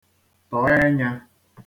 tọ̀ ẹnyā